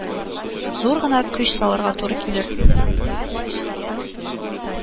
Зур гына көч салырга туры килер